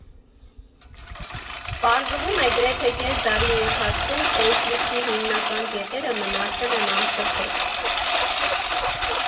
Պարզվում է, գրեթե կես դարի ընթացքում կոնֆլիկտի հիմնական կետերը մնացել են անփոփոխ։